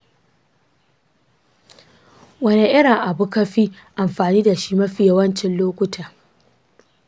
wanne irin abu ka fi amfani da shi mafi yawancin lokuta?